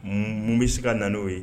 Muun bɛ se ka na n'o ye